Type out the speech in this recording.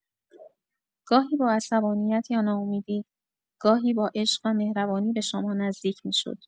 گاهی با عصبانیت یا ناامیدی، گاهی با عشق و مهربانی به شما نزدیک می‌شد.